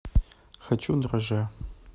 хочу драже